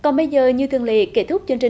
còn bây giờ như thường lệ kết thúc chương trình